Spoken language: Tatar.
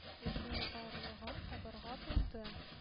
Егарлыгын табырга булды